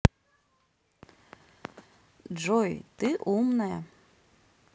джой ты умная